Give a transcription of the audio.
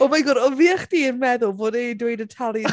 Oh my god oedd fi a chdi yn meddwl bod e'n dweud Italian...